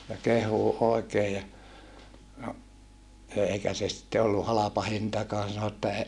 ja kehuu oikein ja no eikä se sitten ollut halpa hintakaan sanoi että